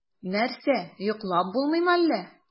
Нәрсә, йоклап булмыймы әллә?